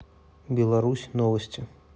беларусь новости